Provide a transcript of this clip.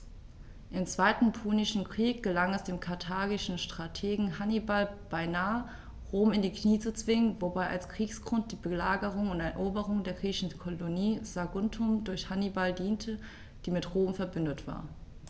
Im Zweiten Punischen Krieg gelang es dem karthagischen Strategen Hannibal beinahe, Rom in die Knie zu zwingen, wobei als Kriegsgrund die Belagerung und Eroberung der griechischen Kolonie Saguntum durch Hannibal diente, die mit Rom „verbündet“ war.